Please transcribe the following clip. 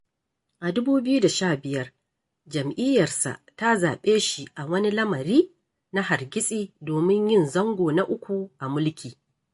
A 2015, jam'iyyarsa ta zaɓe shi a wani lamari na hargitsi domin yin zango na uku a mulki.